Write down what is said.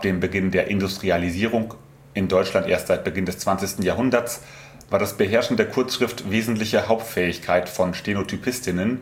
dem Beginn der Industrialisierung – in Deutschland erst seit Beginn des 20. Jahrhunderts – war das Beherrschen der Kurzschrift wesentliche Hauptfähigkeit von Stenotypistinnen,